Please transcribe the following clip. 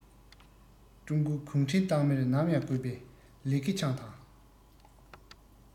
ཀྲུང གོའི གུང ཁྲན ཏང མིར ནམ ཡང དགོས པའི ལི ཁེ ཆང དང